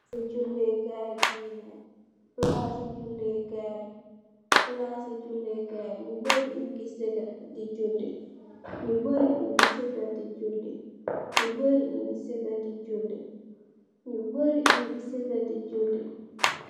Palace julle kaye la aye net nyung faye julley